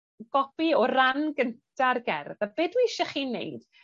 gopi o ran gynta'r gerdd a be' dwi isie chi neud